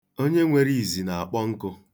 Onye nwere izi na-akpọ nkụ.